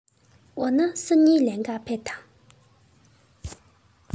འོ ན སང ཉིན ལེན ག ཕེབས དང